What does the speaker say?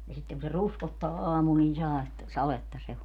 ja sitten kun se ruskottaa aamulla niin sadetta sadetta se on